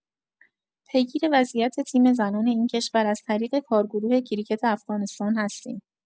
پیگیر وضعیت تیم زنان این کشور از طریق کارگروه کریکت افغانستان هستیم.